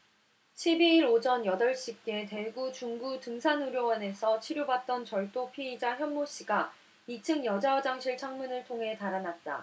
십 이 일 오전 여덟 시께 대구 중구 동산의료원에서 치료받던 절도 피의자 현모씨가 이 층 여자 화장실 창문을 통해 달아났다